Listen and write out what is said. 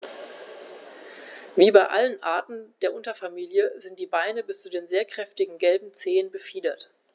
Wie bei allen Arten der Unterfamilie sind die Beine bis zu den sehr kräftigen gelben Zehen befiedert.